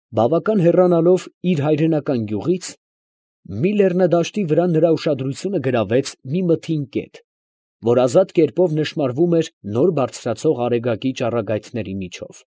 Բավական հեռանալով իր հայրենական գյուղից, մի լեռնադաշտի վրա նրա ուշադրությունը գրավեց մի մթին կետ, որ ազատ կերպով նշմարվում էր նոր բարձրացող արեգակի ճառագայթների միջով։